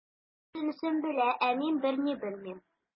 Ул бөтенесен белә, ә мин берни белмим.